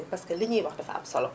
parce que li ñuy wax dafa am solo